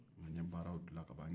nka n ye baara dila kaban